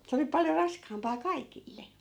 se oli paljon raskaampaa kaikille